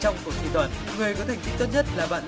trong cuộc thi tuần người có thành tích tốt nhất là bạn